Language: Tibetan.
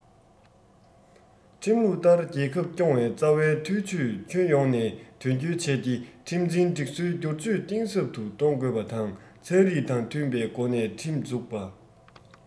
ཁྲིམས ལུགས ལྟར རྒྱལ ཁབ སྐྱོང བའི རྩ བའི ཐབས ཇུས ཁྱོན ཡོངས ནས དོན འཁྱོལ བྱས ཏེ ཁྲིམས འཛིན སྒྲིག སྲོལ སྒྱུར བཅོས གཏིང ཟབ ཏུ གཏོང དགོས པ དང ཚན རིག དང མཐུན པའི སྒོ ནས ཁྲིམས འཛུགས པ དང